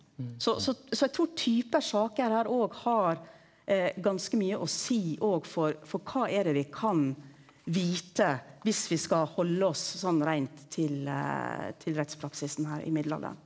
så så så eg trur typar sakar her òg har ganske mykje å seie òg for for kva er det vi kan vite viss vi skal halde oss sånn reint til til rettspraksisen her i mellomalderen.